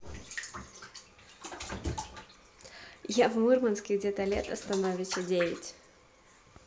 я в мурманске где то лето становича девять